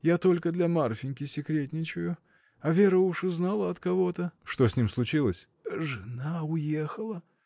Я только для Марфиньки секретничаю. А Вера уж узнала от кого-то. — Что с ним случилось? — Жена уехала.